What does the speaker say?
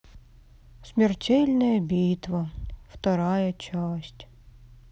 смертельная битва вторая часть